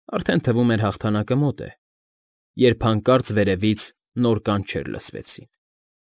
Արդեն, թվում էր, հաղթանակը մոտ է, երբ հանկարծ վերևից նոր կանչեր լսվեցին։